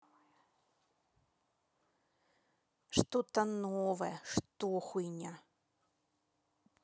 что то новое что хуйня